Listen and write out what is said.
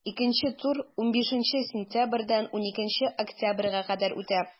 Икенче тур 15 сентябрьдән 12 октябрьгә кадәр үтә.